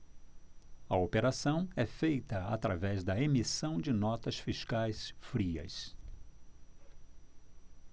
a operação é feita através da emissão de notas fiscais frias